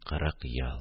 Кырык ел